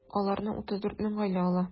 Аларны 34 мең гаилә ала.